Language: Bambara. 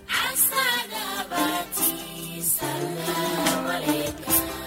A se ba jigin diɲɛ diɲɛ